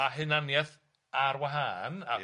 a hunaniaeth arwahan... Ia...